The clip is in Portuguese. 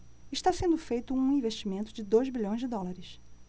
está sendo feito um investimento de dois bilhões de dólares